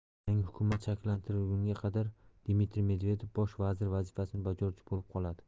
yangi hukumat shakllantirilguniga qadar dmitriy medvedev bosh vazir vazifasini bajaruvchi bo'lib qoladi